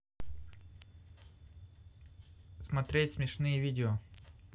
смотреть смешные видео